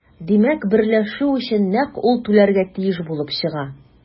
Димәк, берләшү өчен нәкъ ул түләргә тиеш булып чыга.